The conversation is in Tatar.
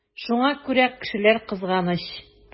Шуңа күрә кешеләр кызганыч.